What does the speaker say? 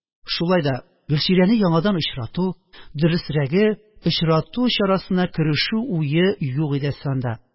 Шулай да Гөлчирәне яңадан очрату, дөресрәге, очрату чарасына керешү уе юк иде Әсфанда.